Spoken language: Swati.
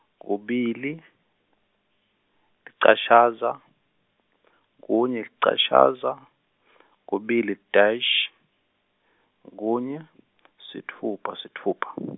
kubili licashata kunye licashata kubili dash kunye sitfupha sitfupha.